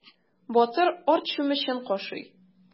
Батыр арт чүмечен кашый.